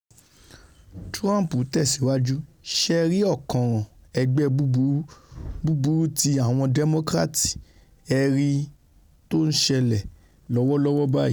Trump tẹ̀síwájú, ''Se ẹ̀ rí ọ̀kànràn ẹgbẹ́ búburú, búburú ti Àwọn Democrats, ẹ́ rí i tó ńṣẹlẹ̀ lọ́wọ́lọ́wọ́ báyìí.